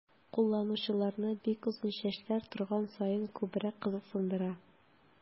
Кулланучыларны бик озын чәчләр торган саен күбрәк кызыксындыра.